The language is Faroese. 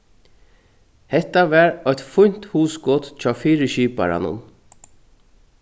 hetta var eitt fínt hugskot hjá fyriskiparanum